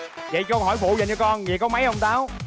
dậy câu hỏi phụ dành cho con dậy có mấy ông táo